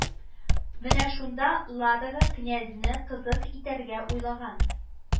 Менә шунда Ладога князьне кызык итәргә уйлаган